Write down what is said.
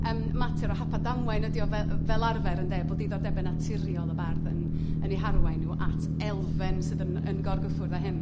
Yym mater o hap a damwain, ydy o fe- fel arfer ynde, bod diddordebau naturiol y bardd yn yn eu harwain nhw at elfen sydd yn yn gorgyffwrdd â hyn.